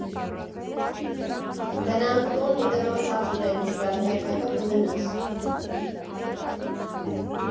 Գնանք տուն, մի կտոր հաց ուտենք իրար հետ, հետո կգնաս։